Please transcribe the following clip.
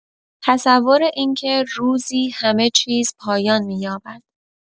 تصور این که روزی همه‌چیز پایان می‌یابد.